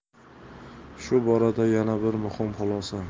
shu borada yana bir muhim xulosa